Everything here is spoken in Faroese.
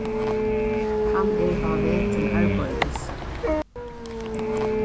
hann er á veg til arbeiðis